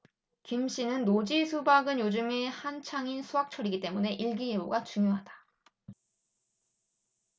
김씨는 노지 수박은 요즘이 한창 수확철이기 때문에 일기예보가 중요하다